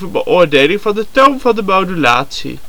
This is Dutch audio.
beoordeling van de ' toon ' van de modulatie